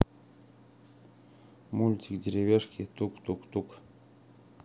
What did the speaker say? мультик деревяшки тук тук тук